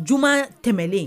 Juma tɛmɛnlen